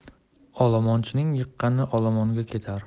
olomonchining yiqqani olomonga ketar